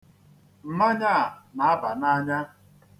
Mmanya a na-aba n'anya.